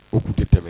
U k'u tɛ tɛmɛ